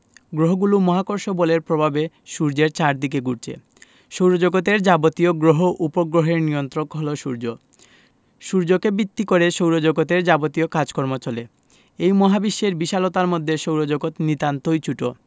গ্রহগুলো মহাকর্ষ বলের প্রভাবে সূর্যের চারদিকে ঘুরছে সৌরজগতের যাবতীয় গ্রহ উপগ্রহের নিয়ন্ত্রক হলো সূর্য সূর্যকে ভিত্তি করে সৌরজগতের যাবতীয় কাজকর্ম চলে এই মহাবিশ্বের বিশালতার মধ্যে সৌরজগৎ নিতান্তই ছোট